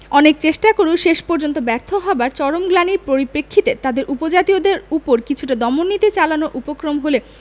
অনেক চেষ্টা করেও শেষ পর্যন্ত ব্যর্থ হবার চরম গ্লানির পরিপ্রেক্ষিতে তাদের উপজাতীয়দের ওপর কিছুটা দমন নীতি চালানোর উপক্রম হলে